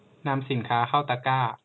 นำสินค้าเข้าตะกร้า